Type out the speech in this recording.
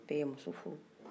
bɛɛ ye muso furu